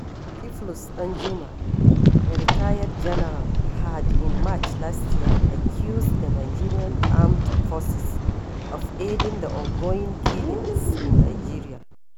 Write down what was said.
Theophilus Danjuma, a retired general, had in March last year accused "the Nigerian armed forces of aiding the ongoing killings in Nigeria".